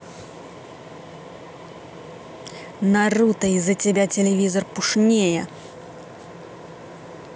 naruto из за тебя телевизор пушнее